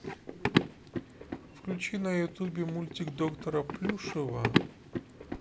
включи на ютубе мультик доктора плюшева